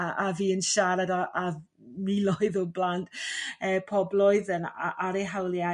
a a fi yn siarad a a miloedd o blant ee pob blwyddyn ar eu hawliau